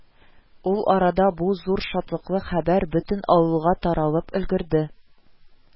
Ул арада бу зур шатлыклы хәбәр бөтен авылга таралып өлгерде